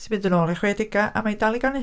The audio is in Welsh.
Ti'n mynd yn ôl i'r chwedegau a mae hi'n dal i ganu.